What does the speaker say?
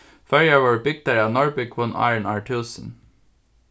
føroyar vórðu bygdar av norðbúgvum áðrenn ár túsund